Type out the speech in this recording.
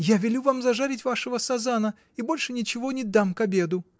— Я велю вам зажарить вашего сазана и больше ничего не дам к обеду.